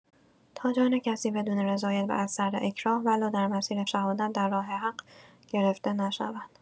تا جان کسی بدون رضایت و از سر اکراه ولو در مسیر شهادت در راه حق گرفته نشود.